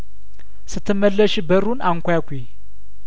ስትመለሺ በሩን አንኳኲ